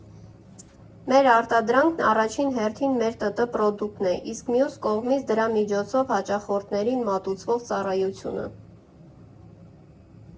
֊ Մեր արտադրանքն առաջին հերթին մեր ՏՏ պրոդուկտն է, իսկ մյուս կողմից՝ դրա միջոցով հաճախորդներին մատուցվող ծառայությունը։